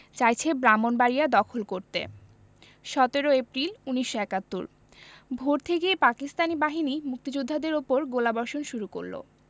চাইছে ব্রাহ্মনবাড়িয়া দখল করতে ১৭ এপ্রিল ১৯৭১ ভোর থেকেই পাকিস্তানি বাহিনী মুক্তিযোদ্ধাদের উপর গোলাবর্ষণ শুরু করল